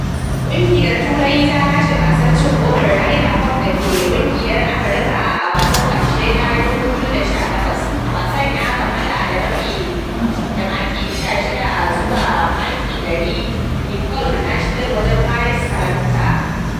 Kungiyar Turai ta lashe gasar cin kofin Ryder Cup da cin kungiyar Amurka a wasan karshe na 2018 wasan ya kammalla da maki 16.5 zuwa 10.5 a Le Golf National waje Paris, Faransa.